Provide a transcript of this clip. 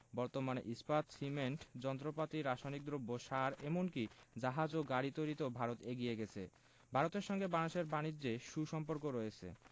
বর্তমানে ইস্পাত সিমেন্ট যন্ত্রপাতি রাসায়নিক দ্রব্য সার এমন কি জাহাজ ও গাড়ি তৈরিতেও ভারত এগিয়ে গেছে ভারতের সঙ্গে বাংলাদেশের বানিজ্যে সু সম্পর্ক রয়েছে